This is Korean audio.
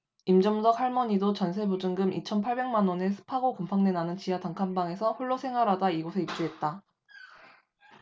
임점덕 할머니도 전세 보증금 이천 팔백 만원의 습하고 곰팡내 나는 지하 단칸방에서 홀로 생활하다 이곳에 입주했다